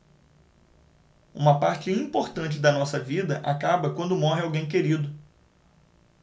uma parte importante da nossa vida acaba quando morre alguém querido